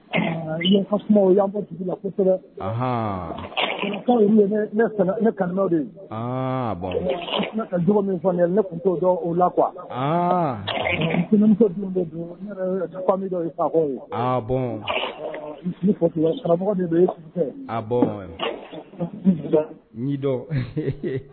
O' dugu la kosɛbɛ bɛ ka min ye ne tun o la qumuso karamɔgɔ min bɛ adɔn